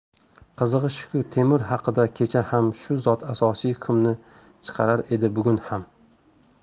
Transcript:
qizig'i shuki temur haqida kecha ham shu zot asosiy hukmni chiqarar edi bugun ham